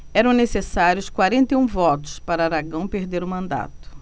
eram necessários quarenta e um votos para aragão perder o mandato